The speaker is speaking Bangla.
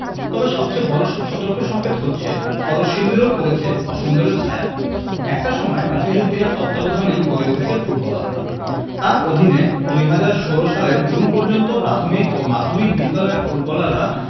তবে সবচেয়ে বড় সতর্কসংকেত হচ্ছে কলসিন্দুরেও পড়েছে অসুন্দরের ছায়া একটা সময় মফিজ উদ্দিনের তত্ত্বাবধানেই গড়ে উঠেছে ফুটবলাররা তাঁর অধীনে ২০১৬ সালের জুন পর্যন্ত প্রাথমিক ও মাধ্যমিক বিদ্যালয়ের ফুটবলাররা